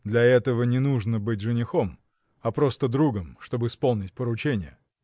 — Для этого не нужно быть женихом, а просто другом, чтоб исполнить поручение.